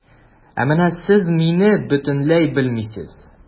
Ә менә сез мине бөтенләй белмисез.